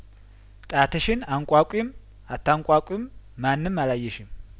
ጣትሽን አንቋቂም አታንቋቂም ማንም አላየሽም